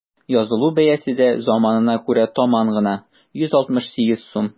Язылу бәясе дә заманына күрә таман гына: 168 сум.